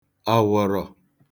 àwọ̀rọ̀